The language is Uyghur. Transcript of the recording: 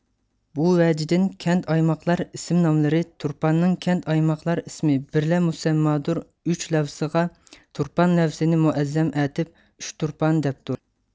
بۇ ۋەجىدىن كەنت ئايماقلار ئىسىم ناملىرى تۇرپاننىڭ كەنت ئايماقلار ئىسمى بىرلە مۇسەممادۇر ئۇچ لەفزىغا تۇرپان لەفزىنى مۇئەززەم ئەتىپ ئۈچتۇرپان دەپدۇر